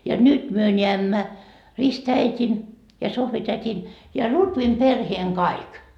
ja nyt me näemme ristiäidin ja Sohvi-tädin ja Lutvin perheen kaikki